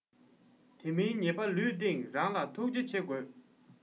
དེ མིན ཉེས པ ལུས སྟེང རང ལ ཐུགས རྗེ ཆེ དགོས